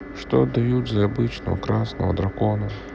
что дают за обычного красного дракона